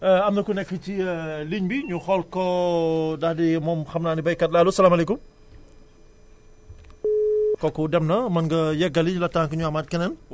am na ku nekk ci ligne bi ñu xool ko daal di moom xam naa ne béykat la allo salaamaaleykum kooku dem na mën nga yeggali le temps que ñu amaat keneen